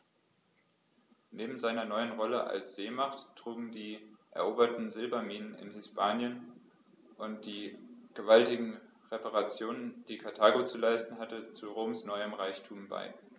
Neben seiner neuen Rolle als Seemacht trugen auch die eroberten Silberminen in Hispanien und die gewaltigen Reparationen, die Karthago zu leisten hatte, zu Roms neuem Reichtum bei.